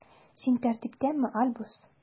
Син тәртиптәме, Альбус?